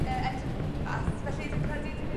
yy edrych o gwmpas felly dwi'n credu dwi myn' i...